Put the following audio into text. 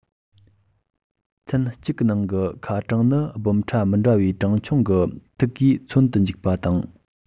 ཚན གཅིག གི ནང གི ཁ གྲངས ནི སྦོམ ཕྲ མི འདྲ བའི དྲང འཕྱང གི ཐིག གིས མཚོན དུ འཇུག པ དང